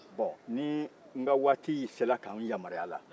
bon n'i ka waati sera ka n yamaruya la